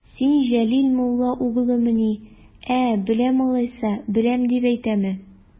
Син Җәләл мулла угълымыни, ә, беләм алайса, беләм дип әйтәме?